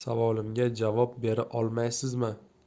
savolimga javob bera olmaysizmi